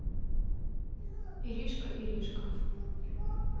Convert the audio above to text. иришка иришка